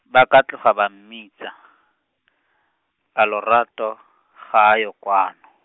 ba ka tloga ba mmitsa, a Lorato, ga a yo kwano.